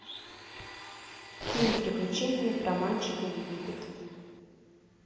фильм приключение про мальчика египет